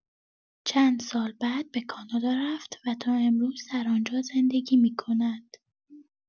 چند سال بعد به کانادا رفت و تا امروز در آن‌جا زندگی می‌کند.